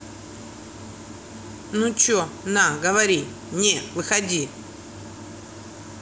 ну че на говори не выходи